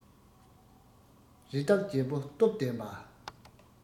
རི དྭགས རྒྱལ པོ སྟོབས ལྡན པ